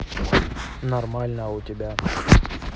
правду говорю алиса